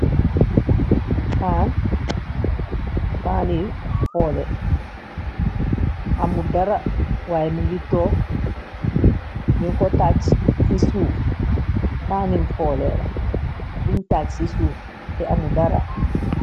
Pan, pani foley amut dara waaye mu ngi toog, nung ko taj suuf. Panni foley la buñ taj ci suuf te amut dara.